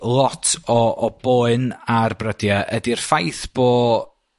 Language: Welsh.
lot o o boen ar brydie ydi'r ffaith bo'